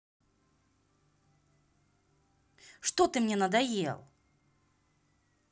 что ты мне надоел